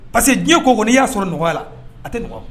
Parce que diɲɛ ko ko n'i y'a sɔrɔ nɔgɔya la a tɛ